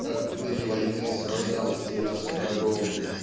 Как в дни войны сражался я с врагом